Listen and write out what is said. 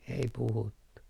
ei puhuttu